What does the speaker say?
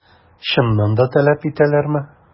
Чыннан да таләп итәләрме?